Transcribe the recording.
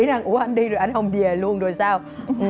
rằng ủa ảnh đi rồi ảnh không về luôn rồi sao